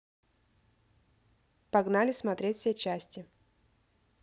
погнали смотреть все части